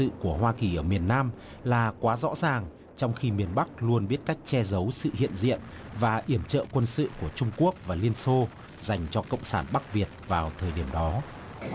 của hoa kỳ ở miền nam là quá rõ ràng trong khi miền bắc luôn biết cách che giấu sự hiện diện và yểm trợ quân sự của trung quốc và liên xô giành cho cộng sản bắc việt vào thời điểm đó